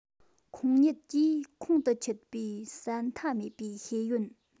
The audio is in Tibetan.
ཁོང ཉིད ཀྱིས ཁོང དུ ཆུད པའི ཟད མཐའ མེད པའི ཤེས ཡོན